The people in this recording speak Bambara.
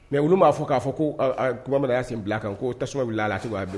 Mɛ olu b'a fɔ k'a fɔ ko tuma mana y'a sen bila kan ko ta tasuma bɛ la a la cogo b'a